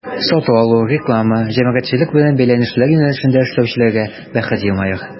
Сату-алу, реклама, җәмәгатьчелек белән бәйләнешләр юнәлешендә эшләүчеләргә бәхет елмаер.